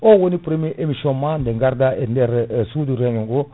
o woni premiére émission ma bde garɗa e nder suudu réunion ngo